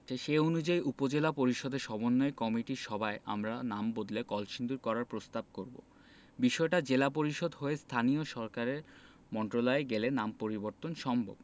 সে অনুযায়ী উপজেলা পরিষদের সমন্বয় কমিটির সভায় আমরা নাম বদলে কলসিন্দুর করার প্রস্তাব করব বিষয়টা জেলা পরিষদ হয়ে স্থানীয় সরকার মন্ত্রণালয়ে গেলে নাম পরিবর্তন সম্ভব